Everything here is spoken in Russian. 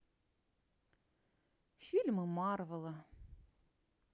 фильмы марвела